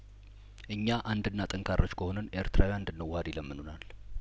እኛ አንድ እና ጠንካሮች ከሆንን ኤርትራውያን እንድንዋሀድ ይለምኑናል